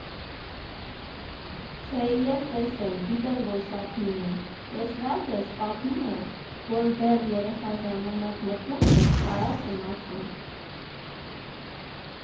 Չէի էլ տեսել, գիտեմ, որ շատ հին է, կեսրայրս պատմում էր, որ դեռ երեխա ժամանակ մտնում էր, կարասը մաքրում։